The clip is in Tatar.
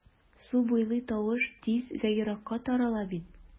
Су буйлый тавыш тиз вә еракка тарала бит...